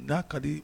N'a ka di